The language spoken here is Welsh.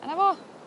A 'na fo.